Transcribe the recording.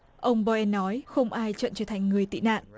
ông boi nói không ai chọn trở thành người tị nạn